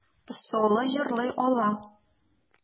Соло җырлый ала.